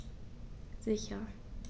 Sicher.